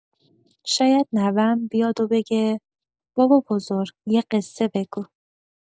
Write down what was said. شاید نوه‌م بیاد و بگه: بابابزرگ، یه قصه بگو.